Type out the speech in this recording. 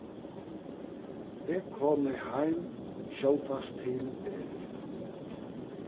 eg komi heim skjótast til ber